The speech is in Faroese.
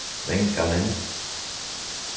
vangamynd